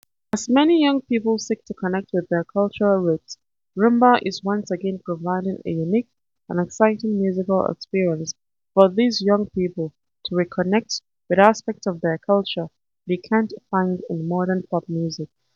As many young people seek to connect with their cultural roots, Rhumba is once again providing a unique and exciting musical experience for these young people to reconnect with aspects of their culture they can’t find in modern pop music.